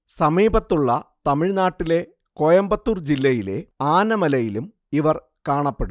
സമീപത്തുള്ള തമിഴ്നാട്ടിലെ കോയമ്പത്തൂർ ജില്ലയിലെ ആനമലയിലും ഇവർ കാണപ്പെടുന്നു